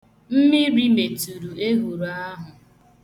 Mmiri meturu ehuru ahụ.